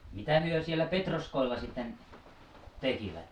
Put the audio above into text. mitä he siellä Petroskoilla sitten tekivät